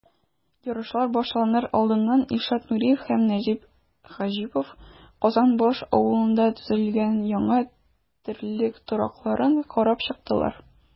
Ярышлар башланыр алдыннан Илшат Нуриев һәм Нәҗип Хаҗипов Казанбаш авылында төзелгән яңа терлек торакларын карап чыктылар.